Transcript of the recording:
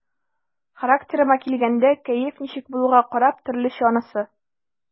Характерыма килгәндә, кәеф ничек булуга карап, төрлечә анысы.